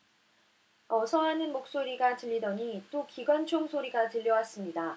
어서 하는 목소리가 들리더니 또 기관총 소리가 들려왔습니다